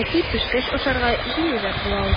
Әти, пешкәч ашарга җиңелрәк була ул.